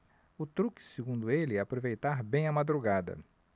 o truque segundo ele é aproveitar bem a madrugada